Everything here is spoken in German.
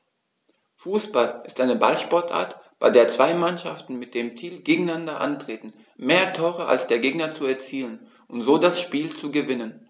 Fußball ist eine Ballsportart, bei der zwei Mannschaften mit dem Ziel gegeneinander antreten, mehr Tore als der Gegner zu erzielen und so das Spiel zu gewinnen.